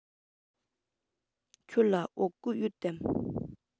ཁྱོད ལ བོད གོས ཡོད དམ